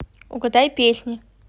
угадай песни